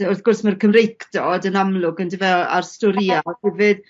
wrth gwrs ma'r Cymreictod yn amlwg on'd yfe? O- a'r storie a hefyd